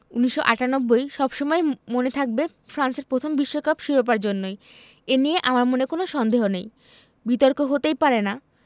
১৯৯৮ সব সময়ই মনে থাকবে ফ্রান্সের প্রথম বিশ্বকাপ শিরোপার জন্যই এ নিয়ে আমার মনে কোনো সন্দেহ নেই বিতর্ক হতেই পারে না